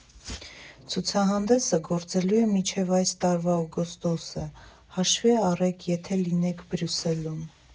Ցուցահանդեսը գործելու է մինչև այս տարվա օգոստոսը՝ հաշվի առեք, եթե լինեք Բրյուսելում։